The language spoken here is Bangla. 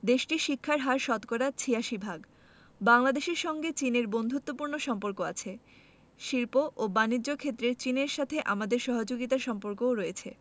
দেশটির শিক্ষার হার শতকরা ৮৬ ভাগ বাংলাদেশের সঙ্গে চীনের বন্ধুত্বপূর্ণ সম্পর্ক আছে শিল্প ও বানিজ্য ক্ষেত্রে চীনের সাথে আমাদের সহযোগিতার সম্পর্কও রয়েছে